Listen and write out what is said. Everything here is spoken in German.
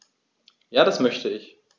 Ja, das möchte ich.